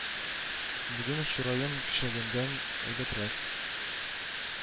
Бүген чыраем кичәгедән әйбәтрәк